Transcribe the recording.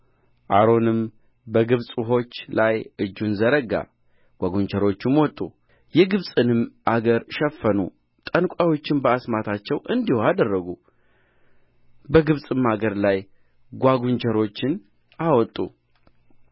አሮንም በግብፅ ውኆች ላይ እጁን ዘረጋ ጓጕንቸሮቹም ወጡ የግብፅንም አገር ሸፈኑ ጠንቋዮችም በአስማታቸው እንዲህ አደረጉ በግብፅም አገር ላይ ጓጕንቸሮችን አወጡ